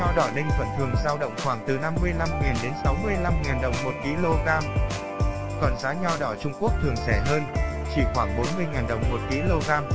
giá nho đỏ ninh thuận thường dao động khoảng từ đồng kg còn giá nho đỏ trung quốc thường rẻ hơn chỉ khoảng đồng kg